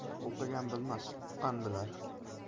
o'qigan bilmas uqqan bilar